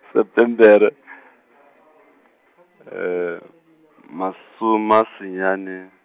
Setemere, masome a senyane.